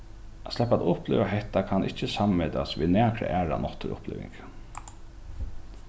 at sleppa at uppliva hetta kann ikki sammetast við nakra aðra náttúruuppliving